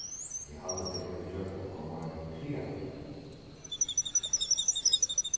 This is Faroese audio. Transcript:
eg haldi tað hevur gjørt okkum meira kreativ